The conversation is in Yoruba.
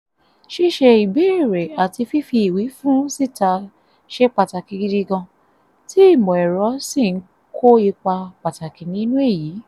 Ṣíṣe ìbéèrè àti fífi ìwífún síta ṣe pàtàkì gidi gan, tí ìmọ̀-ẹ̀rọ sì ń kó ipa pàtàkì nínú èyí.